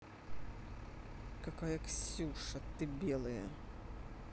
какая ксюша ты белые